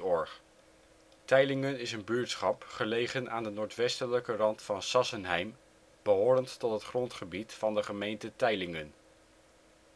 OL Teijlingen is een buurtschap gelegen aan de noordwestelijke rand van Sassenheim, behorend tot het grondgebied van de gemeente Teylingen.